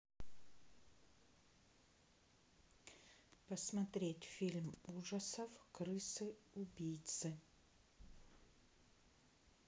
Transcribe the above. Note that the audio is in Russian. посмотреть фильм ужасов крысы убийцы